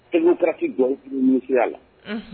E taarasi jɔ misisiya la